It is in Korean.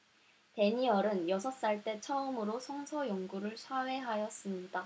대니얼은 여섯 살 때 처음으로 성서 연구를 사회하였습니다